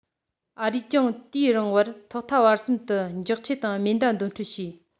ཨ རིས ཀྱང དེའི རིང བར ཐོག མཐའ བར གསུམ དུ སྒྱོགས ཆས དང མེ མདའ འདོན སྤྲོད བྱས